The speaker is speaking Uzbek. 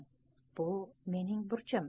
bu mening burchim